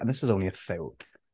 And this is only a few.